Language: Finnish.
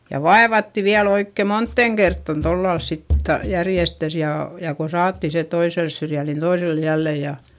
ja vaivattiin vielä oikein moneen kertaan tuolla lailla sitten tuota järjestään ja ja kun saatiin se toiselle syrjälle niin toiselle jälleen ja,